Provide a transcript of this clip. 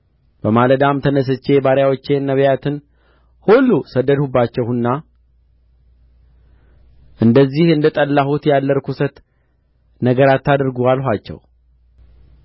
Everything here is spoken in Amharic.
በማለዳም ተነሥቼ ባሪያዎቼን ነቢያትን ሁሉ ሰደድሁባችሁና እንደዚህ እንደ ጠላሁት ያለ ርኩስ ነገር አታድርጉ አልኋችሁ